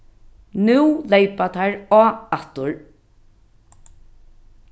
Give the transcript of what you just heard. nú leypa teir á aftur